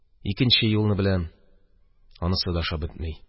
Икенче юлны беләм, анысы да ошап бетми.